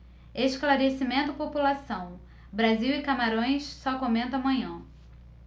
esclarecimento à população brasil e camarões só comento amanhã